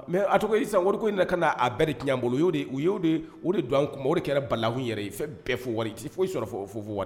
Mais a tɔgɔ sisan wari ko in nana ka bɛɛ de tiɲɛ an bolo. U yo de don an kun na . O de kɛra balawu yɛrɛ ye. Fɛn bɛɛ fo wari. I ti foyi sɔrɔ fo wari.